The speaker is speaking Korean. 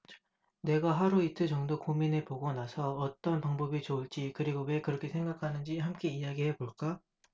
네가 하루 이틀 정도 고민해 보고 나서 어떤 방법이 좋을지 그리고 왜 그렇게 생각하는지 함께 얘기해 볼까